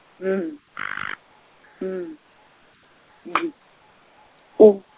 N, N, G, U.